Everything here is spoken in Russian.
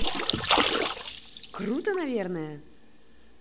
круто наверное